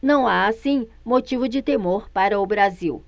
não há assim motivo de temor para o brasil